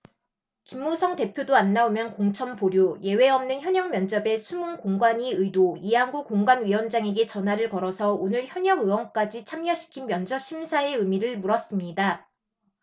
김무성 대표도 안 나오면 공천 보류 예외 없는 현역 면접에 숨은 공관위 의도이한구 공관위원장에게 전화를 걸어서 오늘 현역 의원까지 참여시킨 면접심사의 의미를 물었습니다